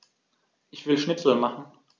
Ich will Schnitzel machen.